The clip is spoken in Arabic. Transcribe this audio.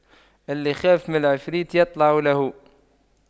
اللي يخاف من العفريت يطلع له